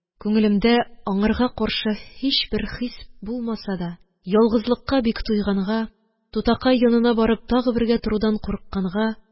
Күңелемдә аңарга каршы һичбер хис булмаса да, ялгызлыкка бик туйганга, тутакай янына барып тагы бергә торудан курыкканга